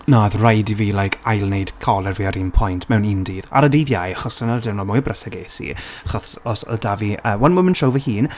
Na oedd raid i fi, like, ail-wneud colur fi ar un pwynt, mewn un dydd, ar y dydd Iau, achos dyna'r diwrnod mwya brysur ges, achos os... oedd 'da fi yy One Woman Show fy hun.